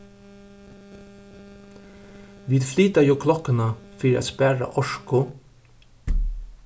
vit flyta jú klokkuna fyri at spara orku